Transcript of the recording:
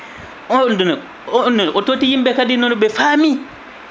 on ɗuna onne o totti yimɓe kadi nono ɓe faami